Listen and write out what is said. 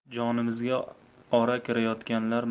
jonimizga ora kirayotganlar